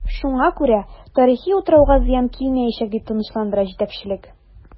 Шуңа күрә тарихи утрауга зыян килмиячәк, дип тынычландыра җитәкчелек.